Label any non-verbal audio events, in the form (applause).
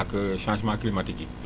ak (hesitation) changements climatiques yi